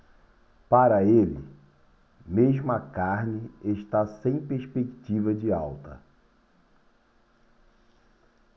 para ele mesmo a carne está sem perspectiva de alta